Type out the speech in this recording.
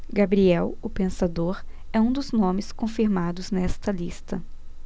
gabriel o pensador é um dos nomes confirmados nesta lista